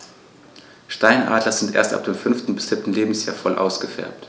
Steinadler sind erst ab dem 5. bis 7. Lebensjahr voll ausgefärbt.